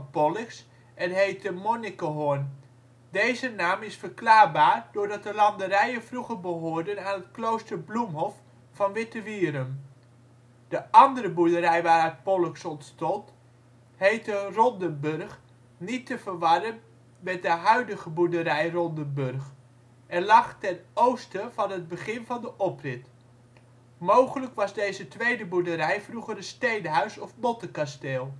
Pollux en heette Monnikehorn. Deze naam is verklaarbaar doordat de landerijen vroeger behoorden aan het Klooster Bloemhof van Wittewierum. De andere boerderij waaruit Pollux ontstond heette Rondenbörg (niet te verwarren met de huidige boerderij Rondenburg) en lag ten oosten van het begin van de oprit. Mogelijk was deze tweede boerderij vroeger een steenhuis of mottekasteel